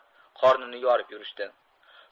qornini yorib yurishdi